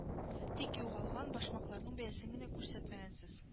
Тик югалган башмакларның бәясен генә күрсәтмәгәнсез